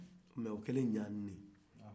mais o kɛra ɲani de